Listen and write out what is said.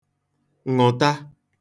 ṅụ̀ta